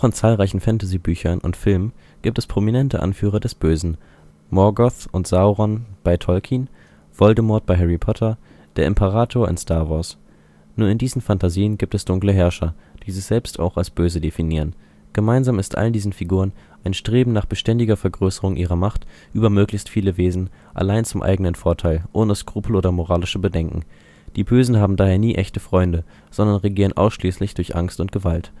zahlreichen Fantasy-Büchern und - Filmen gibt es prominente Anführer der Bösen: Morgoth und Sauron bei Tolkien, Voldemort bei Harry Potter, der Imperator in Star Wars. Nur in diesen Phantasien gibt es dunkle Herrscher, die sich selbst auch als böse definieren. Gemeinsam ist all diesen Figuren ein Streben nach beständiger Vergrößerung ihrer Macht über möglichst viele Wesen allein zum eigenen Vorteil ohne Skrupel oder moralische Bedenken. Die Bösen haben daher nie echte Freunde, sondern regieren ausschließlich durch Angst und Gewalt